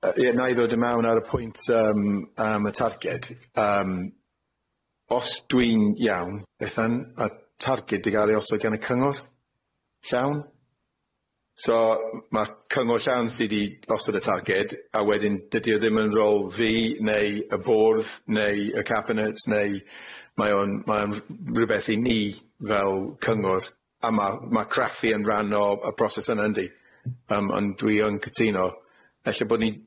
Yy ie nâi ddod i mewn ar y pwynt yym am y targed yym os dwi'n iawn, Bethan, y targed 'di ga'l ei osod gan y cyngor, llawn, so ma' cyngor llawn sy' 'di gosod y targed a wedyn dydi o ddim yn rôl fi neu y bwrdd neu y cabinet neu mae o'n mae o'n rwbeth i ni, fel cyngor, a ma' ma' craffu yn rhan o y broses yna yndi? Yym ond dwi yn cytuno ella bo' ni'n,